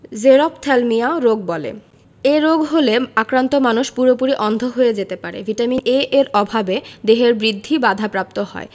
xerophthalmia রোগ বলে এই রোগ হলে আক্রান্ত মানুষ পুরোপুরি অন্ধ হয়ে যেতে পারে ভিটামিন A এর অভাবে দেহের বৃদ্ধি বাধাপ্রাপ্ত হয়